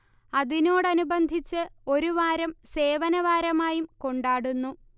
അതിനോടനിബന്ധിച്ച് ഒരു വാരം സേവനവാരമായും കൊണ്ടാടുന്നു